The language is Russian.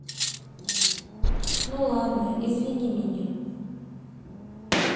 ну ладно извини меня